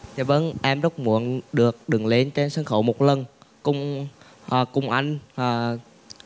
dạ vâng em rất muốn được đứng lên trên sân khấu một lần cùng ờ cùng ăn ờ